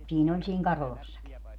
siinä oli siinä Karolassakin